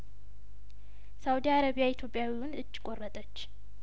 ሳኡዲ አረቢያ ኢትዮጵያዊውን እጅን ቆረጠች